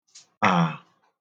à